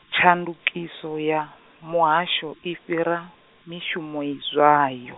tshandukiso ya, muhasho i fhira, mishumo zwayo.